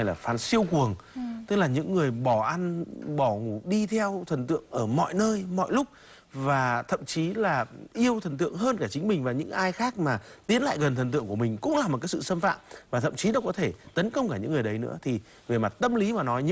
là phan siêu cuồng tức là những người bỏ ăn bỏ ngủ đi theo thần tượng ở mọi nơi mọi lúc và thậm chí là yêu thần tượng hơn cả chính mình và những ai khác mà tiến lại gần thần tượng của mình cũng là một sự xâm phạm và thậm chí nó có thể tấn công ở những người đấy nữa thì về mặt tâm lý và nói những